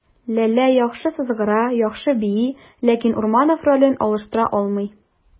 Ләлә яхшы сызгыра, яхшы бии, ләкин Урманов ролен алыштыра алмый.